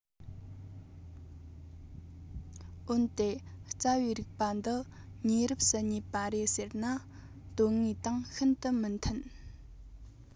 འོན ཏེ རྩ བའི རིགས པ འདི ཉེ རབས སུ རྙེད པ རེད ཟེར ན དོན དངོས དང ཤིན ཏུ མི མཐུན